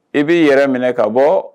I b'i yɛrɛ minɛ ka bɔ